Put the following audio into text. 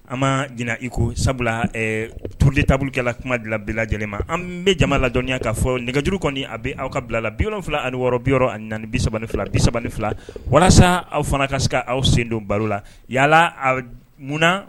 An ma j iko sabula tuuruli taabolourukɛlala kuma dilan bila lajɛlenma an bɛ jama ladɔnya k'a fɔ nɛgɛjuru kɔni a bɛ aw ka bilala bifila ani wɔɔrɔ bi bisa fila bisa fila walasa aw fana ka se aw sen don baro la yalala a munna